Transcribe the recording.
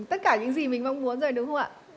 tất cả những gì mình mong muốn rồi đúng không ạ